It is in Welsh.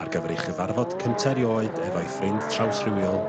...ar gyfer ei chyfarfod cynta erioed efo'i ffrind trawsrhywiol...